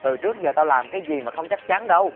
từ trước giờ tao làm cái gì mà không chắc chắn đâu